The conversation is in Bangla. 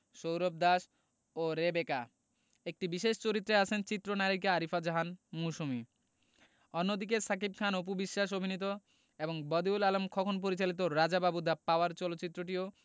সৌরভ দাস ও রেবেকা একটি বিশেষ চরিত্রে আছেন চিত্রনায়িকা আরিফা জামান মৌসুমী অন্যদিকে শাকিব খান অপু বিশ্বাস অভিনীত এবং বদিউল আলম খোকন পরিচালিত রাজা বাবু দ্যা পাওয়ার চলচ্চিত্রটিও